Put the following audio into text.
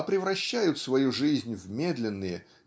а превращают свою жизнь в медленные